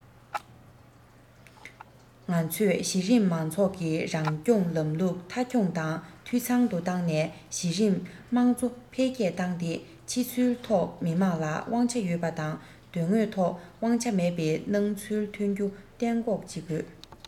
ང ཚོས གཞི རིམ མང ཚོགས ཀྱི རང སྐྱོང ལམ ལུགས མཐའ འཁྱོངས དང འཐུས ཚང དུ བཏང ནས གཞི རིམ དམངས གཙོ འཕེལ རྒྱས བཏང སྟེ ཕྱི ཚུལ ཐོག མི དམངས ལ དབང ཆ ཡོད པ དང དོན དངོས ཐོག དབང ཆ མེད པའི སྣང ཚུལ ཐོན རྒྱུ གཏན འགོག བྱེད དགོས